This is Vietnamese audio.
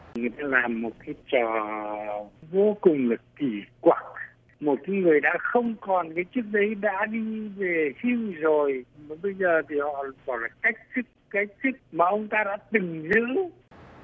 người ta làm một cái trò vô cùng là kỳ quặc một khi người ta không còn cái chức đấy đã đi về hưu rồi mà bây giờ thì họ bảo là cách chức cách chức mà ông từng giữ